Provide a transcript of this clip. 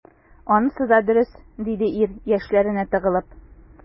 Анысы да дөрес,— диде ир, яшьләренә тыгылып.